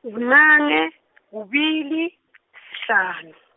ku bunane, kubili, sihlanu .